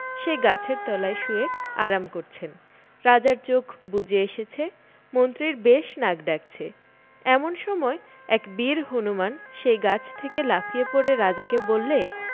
সেই গাছের তলায় শুয়ে আরাম করছেন রাজার চোখ বুজে এসেছে মন্ত্রীর বেশ নাক ডাকছে এমন সময় একটা বীর হনুমান সেই গাছ থেকে লাফিয়ে পড়ে রাজাকে বললে